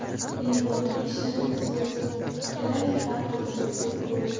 bemorga shirin so'z kerak aqlsizga ko'z